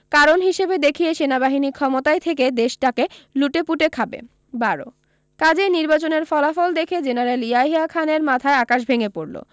কারণ হিসেবে দেখিয়ে সেনাবাহিনী ক্ষমতায় থেকে দেশটাকে লুটেপুটে খাবে ১২ কাজেই নির্বাচনের ফলাফল দেখে জেনারেল ইয়াহিয়া খানের মাথায় আকাশ ভেঙে পড়ল